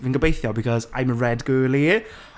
Fi'n gobeithio, because, I'm a Red girlie!